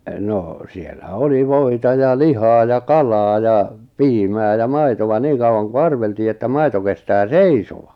no siellä oli voita ja lihaa ja kalaa ja piimää ja maitoa niin kauan kuin arveltiin että maito kestää seisoa